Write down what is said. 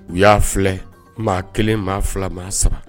U y'a filɛ maa 1, maa 2 , maa saba